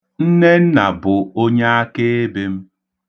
Nnenna bụ onyaakeebe m.